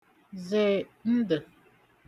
zè ndə̣̀